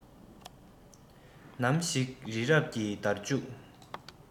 ནམ ཞིག རི རབ ཀྱི འདར ལྕུག